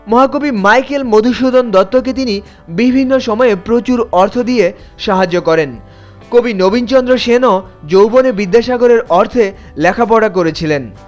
মহাকবি মাইকেল মধুসূদন দত্তকে তিনি বিভিন্ন সময়ে প্রচুর অর্থ দিয়ে সাহায্য করেন কবি নবীনচন্দ্র সেন ও যৌবনে বিদ্যাসাগর এর অর্থ লেখাপড়া করেছিলেন